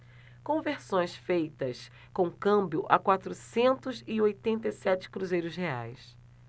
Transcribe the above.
conversões feitas com câmbio a quatrocentos e oitenta e sete cruzeiros reais